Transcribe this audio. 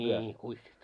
niin kuissit